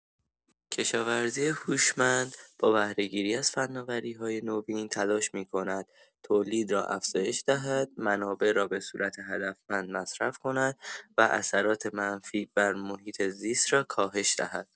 کشاورزی هوشمند با بهره‌گیری از فناوری‌های نوین تلاش می‌کند تولید را افزایش دهد، منابع را به‌صورت هدفمند مصرف کند و اثرات منفی بر محیط‌زیست را کاهش دهد.